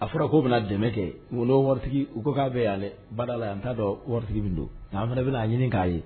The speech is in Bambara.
A fɔra k'o bɛna na dɛmɛ kɛ waritigi u ko k'a bɛ y'an dɛ n man dala an t'a dɔn waritigi min do nka an fana bɛna a ɲini k'a ye.